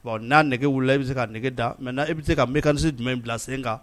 N'a nɛgɛge wili i bɛ se ka nɛgɛge da mɛ i bɛ se kaesi jumɛn in bila sen kan